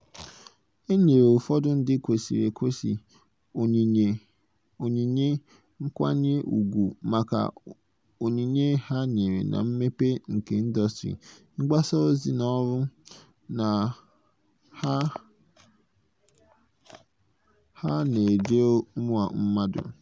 E nyere ụfọdụ ndị kwesịrị ekwesị onyinye nkwanye ùgwù maka onyinye ha nyere na mmepe nke ndọstrị mgbasa ozi na ọrụ ha na-ejere ụmụ mmadụ.